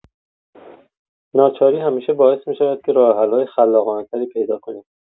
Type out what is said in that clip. ناچاری همیشه باعث می‌شود که راه حل‌های خلاقانه‌تری پیدا کنیم.